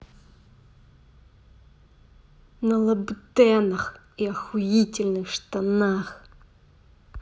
на лабутенах и охуительных штанах